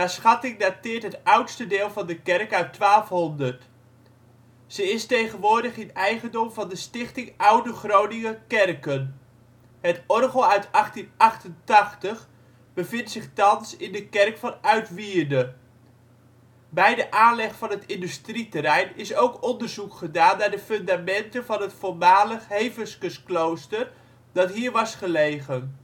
schatting dateert het oudste deel van de kerk uit 1200. Ze is tegenwoordig in eigendom van de Stichting Oude Groninger Kerken. Het orgel uit 1888 bevindt zich thans in de Kerk van Uitwierde. Bij de aanleg van het industrieterrein is ook onderzoek gedaan naar de fundamenten van het voormalig Heveskesklooster dat hier was gelegen